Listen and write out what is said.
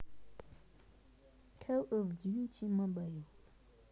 кал оф дьюти мобайл